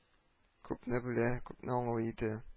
Күпне белә, күпне аңлый иде